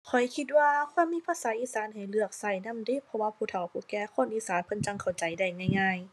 ข้อยคิดว่าควรมีภาษาอีสานให้เลือกใช้นำเดะ เพราะว่าผู้เฒ่าผู้แก่คนอีสานเพิ่นจั่งเข้าใจได้ง่ายง่าย